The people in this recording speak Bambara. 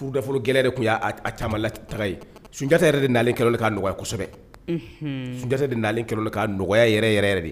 Furunafɔlɔ gɛlɛ de tun y'a caaman lataga ye. Sunjatada yɛrɛ de nalen kɛlen do ka nɔgɔya kosɛbɛ,. Unhun. Sunjata de nalen kɛlen de ka nɔgɔya yɛrɛ yɛrɛ yɛrɛ de.